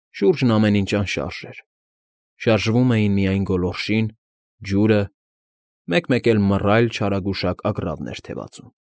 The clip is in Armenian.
Շուրջն ամեն ինչ անշարժ էր, շարժվում էին միայն գոլորշին, ջուրը, մեկ֊մեկ էլ մռայլ չարագուշակ ագռավն էր թևածում։